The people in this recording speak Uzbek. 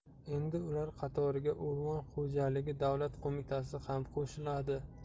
endi ular qatoriga o'rmon xo'jaligi davlat qo'mitasi ham qo'shildi